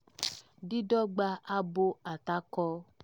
Dídọ̀gba abo atakọ